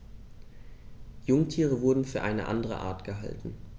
Jungtiere wurden für eine andere Art gehalten.